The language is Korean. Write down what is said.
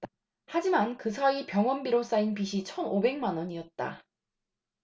하지만 그 사이 병원비로 쌓인 빚이 천 오백 만원이었다